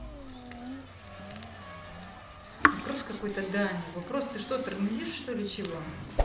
вопрос какой то дальний вопрос ты что тормозишь что ли чего